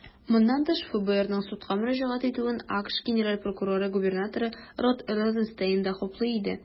Моннан тыш, ФБРның судка мөрәҗәгать итүен АКШ генераль прокуроры урынбасары Род Розенстейн да хуплый иде.